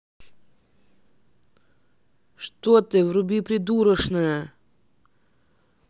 что ты вруби придурошное